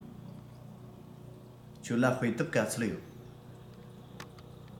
ཁྱོད ལ དཔེ དེབ ག ཚོད ཡོད